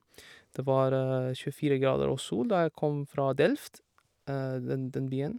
Det var tjuefire grader og sol da jeg kom fra Delft, den den byen.